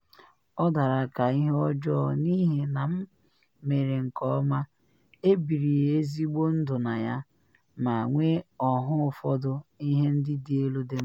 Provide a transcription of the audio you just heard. Ọ dara ka ihe ọjọọ n’ihi na m mere nke ọma, ebiri ezigbo ndụ na ya, ma nwee ọhụụ ụfọdụ ihe ndị elu dị mma.